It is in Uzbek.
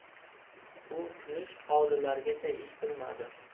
bu kulish hovlilargacha eshitilmadi